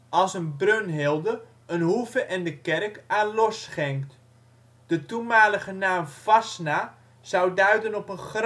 als een Brunhilde een hoeve en de kerk aan Lorsch schenkt. De toenmalige naam Fasna zou duiden op een grassoort